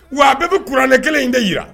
Wa a bɛɛ bi kuranɛ kelen in de yira.